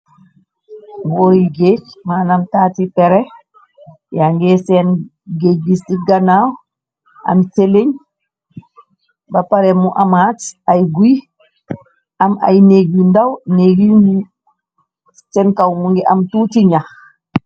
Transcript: Bóor yi géej manam taati pere yaa ngi seen géej jis ci ganaaw am seleñ ba pare mu amaas ay guy am ay néeg yu ndaw néeg yu seen kaw mu ngi am tuu ci ñax.